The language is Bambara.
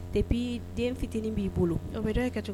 Pi den fitinin b'i bolo